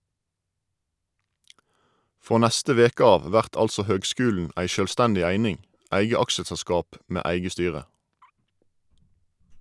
Frå neste veke av vert altså høgskulen ei sjølvstendig eining, eit eige aksjeselskap med eige styre.